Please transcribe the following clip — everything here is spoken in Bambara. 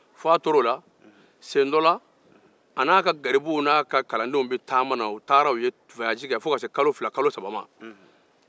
a tora o la siɲe dɔ la an'a ka garibuw taara taama na u ye kalo fila kɛ fo ka se kalo saba ma